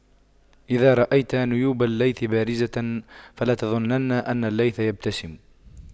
إذا رأيت نيوب الليث بارزة فلا تظنن أن الليث يبتسم